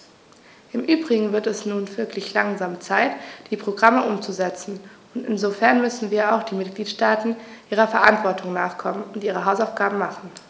Im übrigen wird es nun wirklich langsam Zeit, die Programme umzusetzen, und insofern müssen auch die Mitgliedstaaten ihrer Verantwortung nachkommen und ihre Hausaufgaben machen.